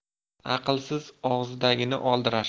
aqlsiz og'zidagini oldirar